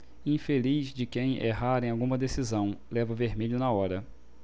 infeliz de quem errar em alguma decisão leva vermelho na hora